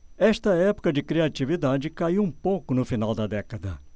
esta época de criatividade caiu um pouco no final da década